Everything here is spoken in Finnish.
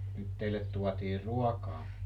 nyt teille tuotiin ruokaa